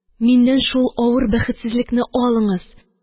Миннән шул авыр бәхетсезлекне алыңыз